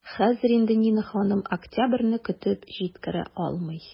Хәзер инде Нина ханым октябрьне көтеп җиткерә алмый.